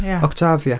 Octavia.